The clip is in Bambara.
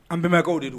An bɛnbakɛw de don